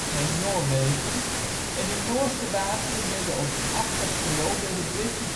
naar Noorwegen en in Noorse wateren werden op 8 april door een Britse torpedobootjager